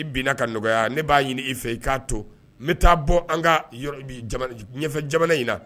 I bin ka nɔgɔya ne b'a ɲini i fɛ i k'a to n t taa bɔ an kafɛ jamana in na